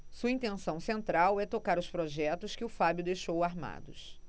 sua intenção central é tocar os projetos que o fábio deixou armados